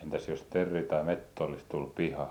entäs jos teeri tai metso olisi tullut pihaan